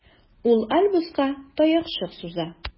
Ул Альбуска таякчык суза.